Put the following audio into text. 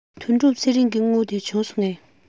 དོན གྲུབ ཚེ རིང གི དངུལ དེ བྱུང སོང ངས